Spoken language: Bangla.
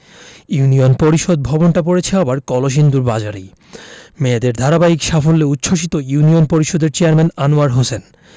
ইউনিয়ন পরিষদ ভবনটা পড়েছে আবার কলসিন্দুর বাজারেই মেয়েদের ধারাবাহিক সাফল্যে উচ্ছ্বসিত ইউনিয়ন পরিষদের চেয়ারম্যান আনোয়ার হোসেন